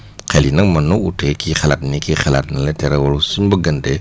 xel yi nag mën nanoo uute kii xalaat nii kii xalaat nële terewul suñ bëggantee